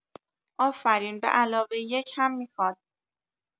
افرین بعلاوه یک هم میخواد